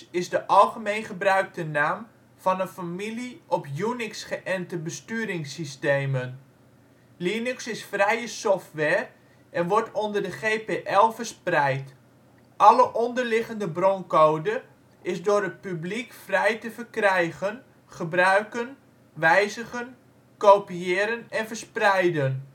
is de algemeen gebruikte naam van een familie op Unix geënte besturingssystemen. Linux is vrije software en wordt onder de GPL verspreid: alle onderliggende broncode is door het publiek vrij te verkrijgen, gebruiken, wijzigen, kopiëren en verspreiden